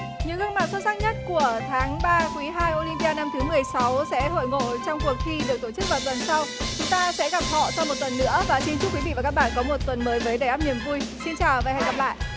những gương mặt xuất sắc nhất của tháng ba quý hai ô lim pi a năm thứ mười sáu sẽ hội ngộ trong cuộc thi được tổ chức vào tuần sau chúng ta sẽ gặp họ sau một tuần nữa và xin chúc quý vị và các bạn có một tuần mới với đầy ắp niềm vui xin chào và hẹn gặp lại